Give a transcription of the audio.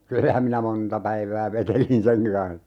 kyllähän minä monta päivää vetelin senkin kanssa